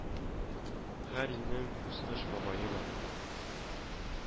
Һәр илнең үз Кыш бабае бар